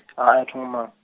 hai a thongo mala.